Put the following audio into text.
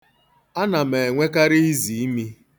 Ana m enwekarị iziimi.